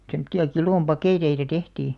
semmoisia kilon paketteja tehtiin